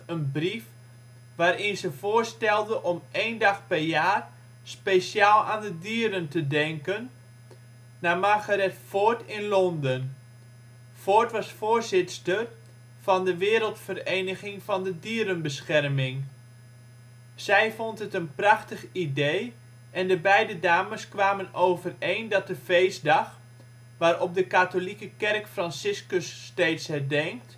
een brief, waarin ze voorstelde om één dag per jaar speciaal aan de dieren te denken, naar Margaret Ford in Londen. Ford was voorzitster van de wereldvereniging van de dierenbescherming. Zij vond het een prachtig idee en de beide dames kwamen overeen dat de feestdag, waarop de Katholieke Kerk Franciscus steeds herdenkt een goede datum